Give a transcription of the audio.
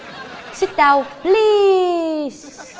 sít đao bờ li